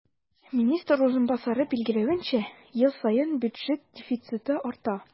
Министр урынбасары билгеләвенчә, ел саен бюджет дефициты арта.